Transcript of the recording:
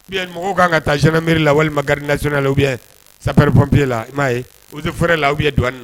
Ou bien mɔgɔw kan ka taa gendarmerie walima garde national ou bien sapeur pompier la i m'a ye eaux et foret la ou bien douanne na